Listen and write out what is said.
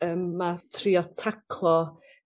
yym ma' trio taclo